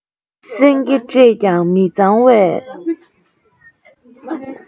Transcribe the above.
སེང གེ བཀྲེས ཀྱང མི གཙང བའི